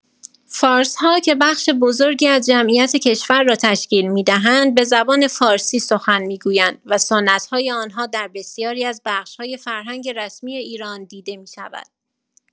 فارس‌ها که بخش بزرگی از جمعیت کشور را تشکیل می‌دهند، به زبان فارسی سخن می‌گویند و سنت‌های آنها در بسیاری از بخش‌های فرهنگ رسمی ایران دیده می‌شود.